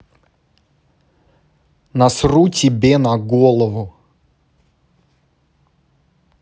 насру тебе на голову